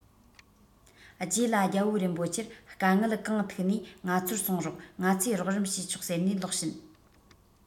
རྗེས ལ རྒྱལ པོ རིན པོ ཆེར དཀའ ངལ གང ཐུག ནའི ང ཚོར གསུང རོགས ང ཚོས རོགས རམ ཞུས ཆོག ཟེར ནས ལོག ཕྱིན